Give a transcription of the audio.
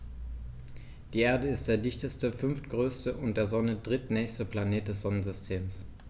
Die Erde ist der dichteste, fünftgrößte und der Sonne drittnächste Planet des Sonnensystems.